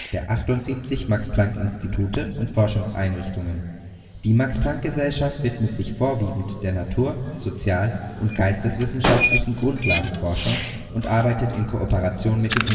der 78 Max-Planck-Institute und Forschungseinrichtungen. Die Max-Planck-Gesellschaft widmet sich vorwiegend der natur -, sozial - und geisteswissenschaftlichen Grundlagenforschung und arbeitet in Kooperation mit den